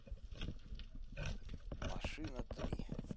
машина три